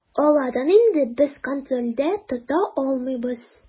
Аларын инде без контрольдә тота алмыйбыз.